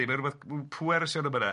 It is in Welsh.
Mae'n rywbeth m- pwersiwn yn fan'na.